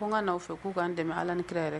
Ko n ka n'aw fɛ k'u kan dɛmɛ Ala ni kira yɛrɛ